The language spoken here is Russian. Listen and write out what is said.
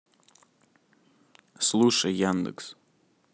слушай яндекс